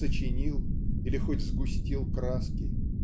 сочинил или хоть сгустил краски.